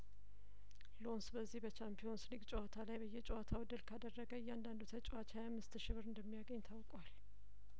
ሎንስ በዚህ በቻምፒየንስ ሊግ ጨዋታ ላይበየጨዋታው ድል ካደረገ እያንዳንዱ ተጫዋች ሀያአምስት ሺ ብር እንደሚያገኝ ታውቋል